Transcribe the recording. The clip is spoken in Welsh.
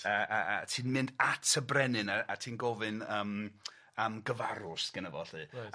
a a a ti'n mynd at y brenin a a ti'n gofyn yym am gyfarws gynna fo lly. Reit.